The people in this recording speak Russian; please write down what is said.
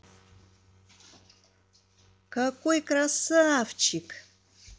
какой красавчик